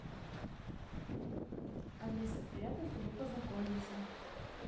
алиса приятно с тобой познакомимся